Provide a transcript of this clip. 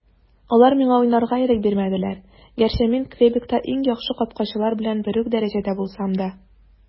Алар миңа уйнарга ирек бирмәделәр, гәрчә мин Квебекта иң яхшы капкачылар белән бер үк дәрәҗәдә булсам да.